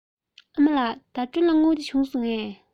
ཨ མ ལགས ཟླ སྒྲོན ལ དངུལ དེ བྱུང སོང ངས